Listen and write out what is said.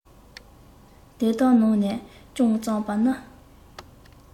དེ དག གི ནང ནས ཀྱང རྩོམ པ ནི